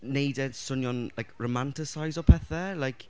wneud e swnio'n like romantaseiso pethau like...